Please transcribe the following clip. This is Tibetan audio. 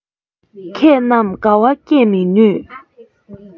མཁས རྣམས དགའ བ བསྐྱེད མི ནུས